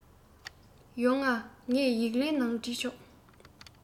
ཡོང ང ངས ཡིག ལན ནང བྲིས ཆོག